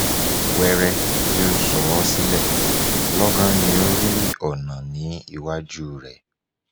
Wéré tí ó sọ ọ́ sílẹ̀, logan ni ó rí ọ̀nà ní iwájúu rẹ̀.